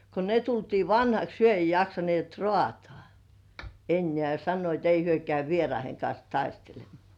kun ne tultiin vanhaksi he ei jaksaneet raataa enää ja sanoivat ei he käy vieraiden kanssa taistelemaan